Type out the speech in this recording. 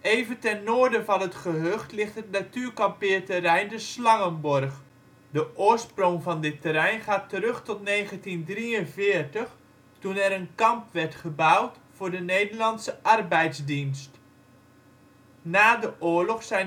Even ten noorden van het gehucht ligt het natuurkampeerterrein De Slangenborg. De oorsprong van dit terrein gaat terug tot 1943, toen er een kamp gebouwd voor de Nederlandse Arbeidsdienst. Na de oorlog zijn